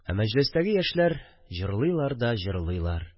Ә мәҗлестәге яшьләр җырлыйлар да җырлыйлар